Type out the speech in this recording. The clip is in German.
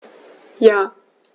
Ja.